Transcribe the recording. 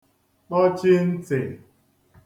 kpọchi ntì